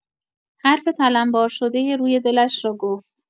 حرف تلنبار شدۀ روی دلش را گفت.